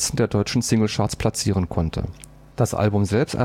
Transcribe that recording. der deutschen Single-Charts platzieren konnte. „ Bye Bye